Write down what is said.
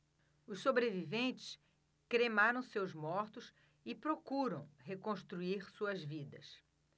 os sobreviventes cremaram seus mortos e procuram reconstruir suas vidas